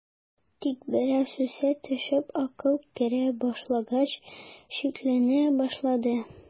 Тик бераз үсә төшеп акыл керә башлагач, шикләнә башлады.